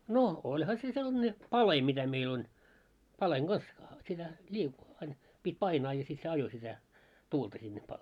no olihan se sellainen palje mitä meillä on palkeen kanssa sitä - aina piti painaa ja sitten se ajoi sitä tuulta sinne -